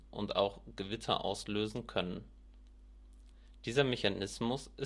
auslösen können. Dieser Mechanismus